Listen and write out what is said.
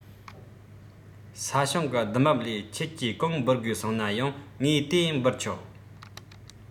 ས ཞིང གི བསྡུ འབབ ལས ཁྱེད ཀྱིས གང འབུལ དགོས གསུངས ན ཡང ངས དེ འབུལ ཆོག